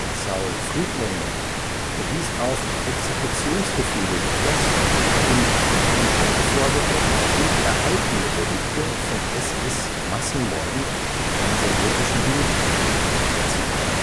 Saul Friedländer verwies auf Exekutionsbefehle Hitlers und von ihm angeforderte und erhaltene Berichte von SS-Massenmorden an sowjetischen Juden: „ Wenn